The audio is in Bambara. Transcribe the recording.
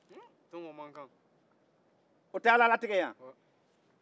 o tɛ alalatigɛ ye wa